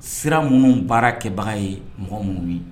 Sira minnu baara kɛbaga ye mɔgɔ minnu ye